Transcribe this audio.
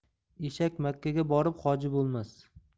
eshak makkaga borib hoji bo'lmas